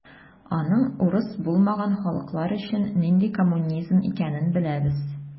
Аның урыс булмаган халыклар өчен нинди коммунизм икәнен беләбез.